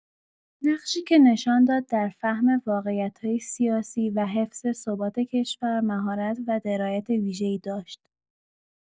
نقشی که نشان داد در فهم واقعیت‌های سیاسی و حفظ ثبات کشور مهارت و درایت ویژه‌ای داشت.